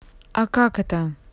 а как это